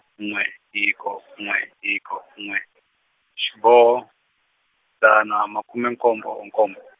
n'we hiko n'we hiko n'we, xiboho, dzana makume nkombo nkombo.